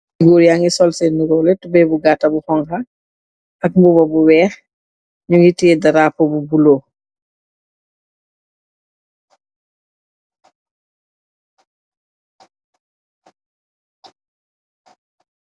Gór ya ngi sol sèèn liroleh, tubai bu gatta bu xonxa ak mbuba bi wèèx ñgu ngi teyeh darapóó bu buloo.